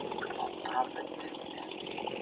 Аптырап беттем инде.